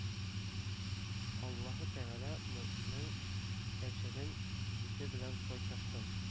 Аллаһы тәгалә моның әҗерен йөзе белән кайтарсын